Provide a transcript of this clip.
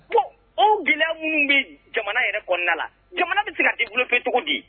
o gɛlɛya minnu bɛ jamana yɛrɛ kɔnɔna la, jamana bɛ se ka développer cogo di?